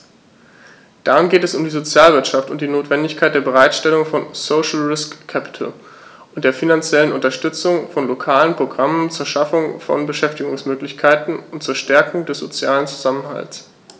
Darin geht es um die Sozialwirtschaft und die Notwendigkeit der Bereitstellung von "social risk capital" und der finanziellen Unterstützung von lokalen Programmen zur Schaffung von Beschäftigungsmöglichkeiten und zur Stärkung des sozialen Zusammenhalts.